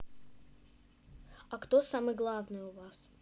а кто самый главный у вас